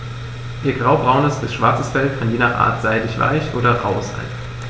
Ihr graubraunes bis schwarzes Fell kann je nach Art seidig-weich oder rau sein.